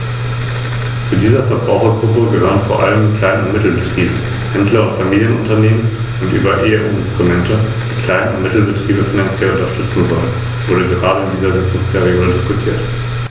Wir müssen herausfinden, über welche Qualifikationen und Potentiale unsere Regionen im High-Tech-Sektor verfügen.